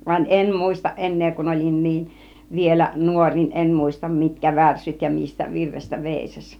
vaan en muista enää kun olin niin vielä nuori niin en muista mitkä värssyt ja mistä virrestä veisasi